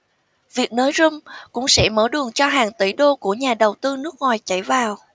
việc nới room cũng sẽ mở đường cho hàng tỷ đô của nhà đầu tư nước ngoài chảy vào